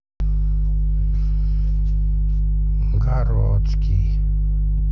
городский